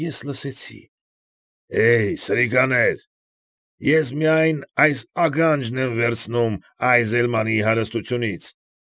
Ես լսեցի. ֊ Է՜յ, սրիկաներ, ես միայն այս ականջն եմ վերցնում Այզելմանի հարստությունից։